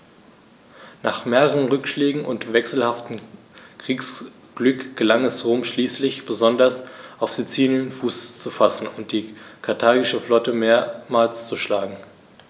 Nach mehreren Rückschlägen und wechselhaftem Kriegsglück gelang es Rom schließlich, besonders auf Sizilien Fuß zu fassen und die karthagische Flotte mehrmals zu schlagen.